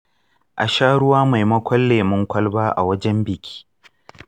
a sha ruwa maimakon lemun kwalba a wajen biki.